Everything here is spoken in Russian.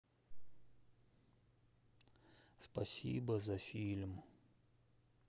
спасибо за фильм